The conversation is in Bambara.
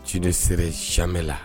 Tu ne serais jamais là